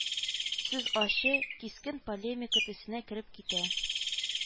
Сүз ачы, кискен полемика төсенә кереп китә